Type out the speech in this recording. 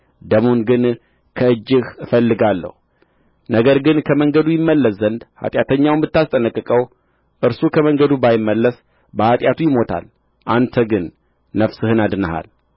ደሙን ግን ከእጅህ እፈልጋለሁ ነገር ግን ከመንገዱ ይመለስ ዘንድ ኃጢአተኛውን ብታስጠነቅቀው እርሱም ከመንገዱ ባይመለስ በኃጢአቱ ይሞታል አንተ ግን ነፍስህን አድነሃል